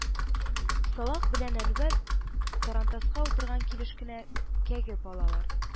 Салах белән Әнвәр тарантаска утырган килеш кенә кәгеп алалар